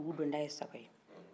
dugu don da ye saba ye